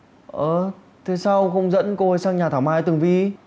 ơ thế sao ông không dẫn cô ấy sang nhà thảo mai tường vi